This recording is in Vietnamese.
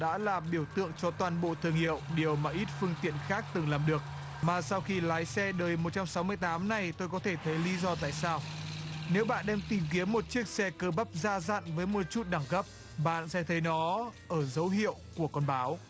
đã là biểu tượng cho toàn bộ thương hiệu điều mà ít phương tiện khác từng làm được mà sau khi lái xe đời một trăm sáu mươi tám này tôi có thể thấy lý do tại sao nếu bạn đang tìm kiếm một chiếc xe cơ bắp già dặn với một chút đẳng cấp bạn sẽ thấy nó ở dấu hiệu của con báo